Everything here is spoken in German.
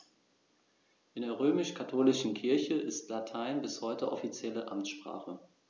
In der römisch-katholischen Kirche ist Latein bis heute offizielle Amtssprache.